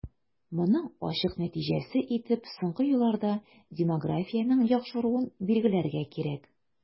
Моның ачык нәтиҗәсе итеп соңгы елларда демографиянең яхшыруын билгеләргә кирәк.